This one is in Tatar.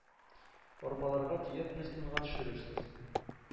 Арбаларга төяп пристаньга төшерерсез.